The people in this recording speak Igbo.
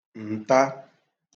ǹta